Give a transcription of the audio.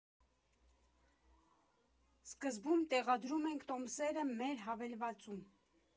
Սկզբում տեղադրում ենք տոմսերը մեր հավելվածում։